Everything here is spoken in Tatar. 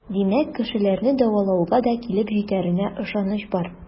Димәк, кешеләрне дәвалауга да килеп җитәренә ышаныч бар.